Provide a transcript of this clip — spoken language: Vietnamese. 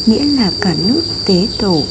nghĩa là cả nước tế tổ